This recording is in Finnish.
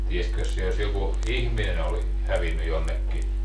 tiesikös se jos joku ihminen oli hävinnyt jonnekin